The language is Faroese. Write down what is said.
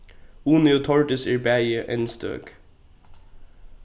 uni og tordis eru bæði enn støk